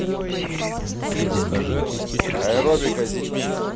аэробика с детьми